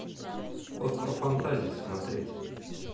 остров фантазий смотреть